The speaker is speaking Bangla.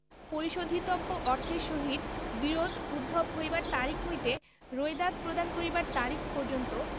পরিশোধিতব্য অর্থের সহিত বিরোধ উদ্ভব হইবার তারিখ হইতে রোয়েদাদ প্রদান করিবার তারিখ পর্যন্ত